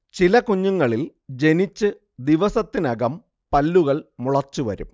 ചില കുഞ്ഞുങ്ങളിൽ ജനിച്ച് ദിവസത്തിനകം പല്ലുകൾ മുളച്ചുവരും